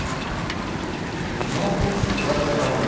новости в цветах на таможне